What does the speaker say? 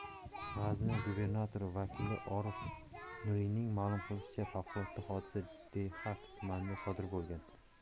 g'azni gubernatori vakili orif nuriyning ma'lum qilishicha favqulodda hodisa dehyak tumanida sodir bo'lgan